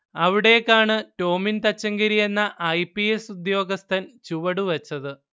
അവിടേക്കാണ് ടോമിൻ തച്ചങ്കരി എന്ന ഐപിഎസ് ഉദ്യോഗസ്ഥൻ ചുവടുവെച്ചത്